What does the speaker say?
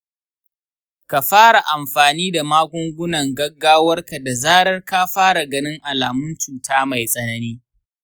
ka fara amfani da magungunan gaggawarka da zarar ka fara ganin alamun cuta mai tsanani.